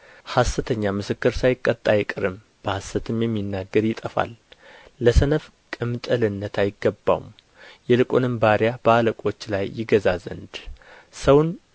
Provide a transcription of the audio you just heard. ሐሰተኛ ምስክር ሳይቀጣ አይቀርም በሐሰትም የሚናገር ይጠፋል ለሰነፍ ቅምጥልነት አይገባውም ይልቁንም ባሪያ በአለቆች ላይ ይገዛ ዘንድ ሰውን